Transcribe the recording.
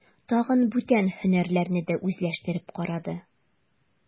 Тагын бүтән һөнәрләрне дә үзләштереп карады.